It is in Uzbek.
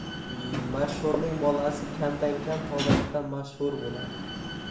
mashhurning bolasi kamdan kam holatda mashhur bo'ladi